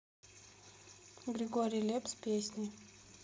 григорий лепс песни